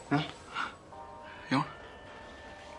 Ia? Iawn?